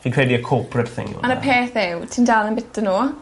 Fi'n credu y corporate thing yw wnna. On' y peth yw ti'n dal yn bita nw.